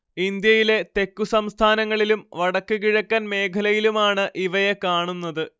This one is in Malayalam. ഇന്ത്യയിലെ തെക്കുസംസ്ഥാനങ്ങളിലും വടക്ക് കിഴക്കൻ മേഖലയിലുമാണ് ഇവയെ കാണുന്നത്